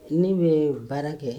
Ne bɛ baara kɛ